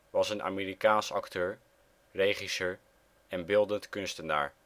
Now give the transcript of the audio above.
was een Amerikaans acteur, regisseur en beeldend kunstenaar